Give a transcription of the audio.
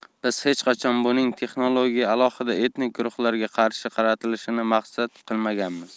biz hech qachon bizning texnologiya alohida etnik guruhlarga qarshi qaratilishini maqsad qilmaganmiz